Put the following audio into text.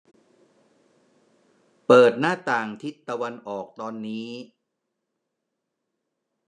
เปิดหน้าต่างทิศตะวันออกตอนนี้